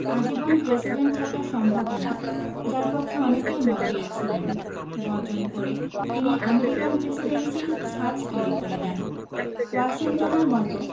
আজীবন প্রেসিডেন্ট থাকার সম্ভাবনা যার পক্ষে অনেকেই মত দিয়েছিলেন বর্জন করে তিনি আমেরিকান প্রেসিডেন্সির ছাঁচ তৈরি করে দেন ওয়াশিংটনের মতো